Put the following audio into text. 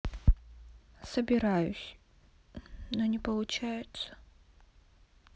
собираюсь но не получается